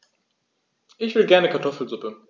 Ich will gerne Kartoffelsuppe.